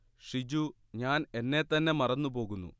ഷിജു ഞാൻ എന്നെ തന്നെ മറന്നു പോകുന്നു